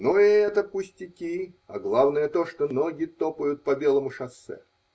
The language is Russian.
Но и это пустяки, а главное то, что ноги топают по белому шоссе.